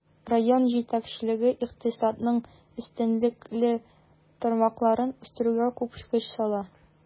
Район җитәкчелеге икътисадның өстенлекле тармакларын үстерүгә күп көч сала.